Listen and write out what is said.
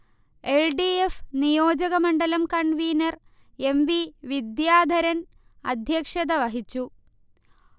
L. D. F. നിയോജകമണ്ഡലം convener M. V. Vidyadharan അധ്യക്ഷത വഹിച്ചു